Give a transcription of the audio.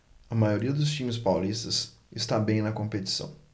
a maioria dos times paulistas está bem na competição